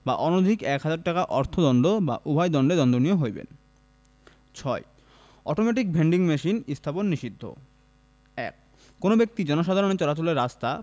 বা অনধিক এক হাজার টাকা অর্থদন্ড বা উভয় দন্ডে দন্ডনীয় হইবেন ৬ অটোমেটিক ভেন্ডিং মেশিন স্থাপন নিষিদ্ধঃ ১ কোন ব্যক্তি জনসাধারণের চলাচলের রাস্তা